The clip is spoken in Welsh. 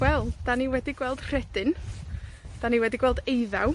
Wel, 'dan ni wedi gweld rhedyn, 'dan ni wedi gweld eiddaw,